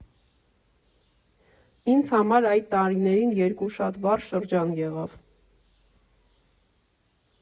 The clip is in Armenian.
Ինձ համար այդ տարիներին երկու շատ վառ շրջան եղավ։